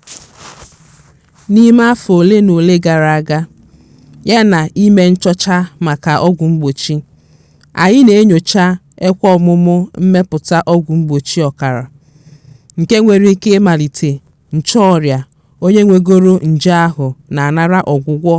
PG: N'ime afọ ole na ole gara aga, yana ime nchọcha maka ọgwụ mgbochi, anyị na-enyocha ekweomume mmepụta ọgwụ mgbochi ọkara, nke nwere ike imelite ncheọria onye nwegoro nje ahụ na-anara ọgwụgwọ